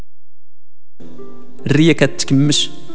ريكا